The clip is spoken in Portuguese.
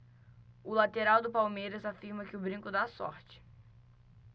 o lateral do palmeiras afirma que o brinco dá sorte